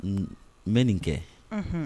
N n bɛ nin kɛ unhun